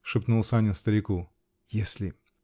-- шепнул Санин старику, -- если.